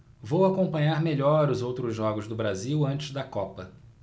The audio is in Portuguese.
vou acompanhar melhor os outros jogos do brasil antes da copa